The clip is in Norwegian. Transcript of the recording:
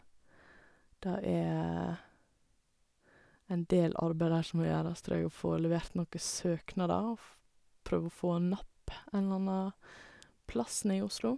Det er en del arbeid der som må gjøres, tror jeg, å få levert noen søknader og f prøve å få napp en eller anna plass nede i Oslo.